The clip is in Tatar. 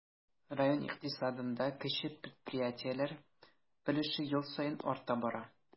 Район икътисадында кече предприятиеләр өлеше ел саен арта бара.